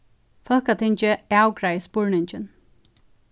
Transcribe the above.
fólkatingið avgreiðir spurningin